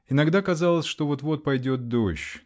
Иногда казалось, что вот-вот пойдет дождь